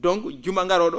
donc juma ngaroo?o